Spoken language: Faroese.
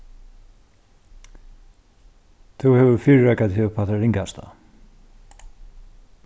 tú hevur fyrireikað teg upp á tað ringasta